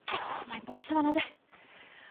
Mae'n boeth yn fan' 'a 'de.